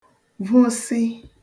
vụsị